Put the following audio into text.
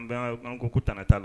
Mbɛnkɛ , an bɛ ko ko tana t'a la.